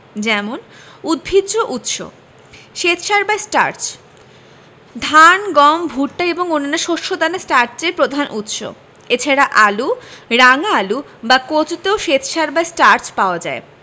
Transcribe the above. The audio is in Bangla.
যেমন উদ্ভিজ্জ উৎস শ্বেতসার বা স্টার্চ ধান গম ভুট্টা এবং অন্যান্য শস্য দানা স্টার্চের প্রধান উৎস এছাড়া আলু রাঙা আলু বা কচুতেও শ্বেতসার বা স্টার্চ পাওয়া যায়